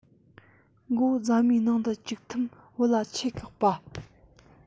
མགོ རྫ མའི ནང དུ བཅུག ཐིམ བུ ལ ཆས བཀག པ